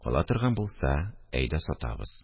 – ала торган булса, әйдә, сатабыз